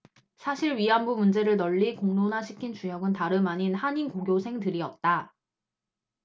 사실 위안부 문제를 널리 공론화시킨 주역은 다름아닌 한인고교생들이었다